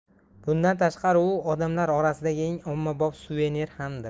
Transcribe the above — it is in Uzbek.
bundan tashqari u odamlar orasidagi eng ommabop suvenir hamdir